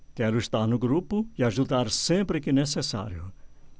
quero estar no grupo e ajudar sempre que necessário